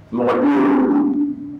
Mɔ